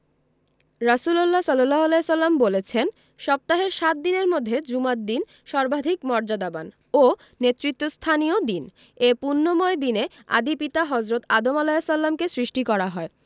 রাসুলুল্লাহ সা বলেছেন সপ্তাহের সাত দিনের মধ্যে জুমার দিন সর্বাধিক মর্যাদাবান ও নেতৃত্বস্থানীয় দিন এ পুণ্যময় দিনে আদি পিতা হজরত আদম আ কে সৃষ্টি করা হয়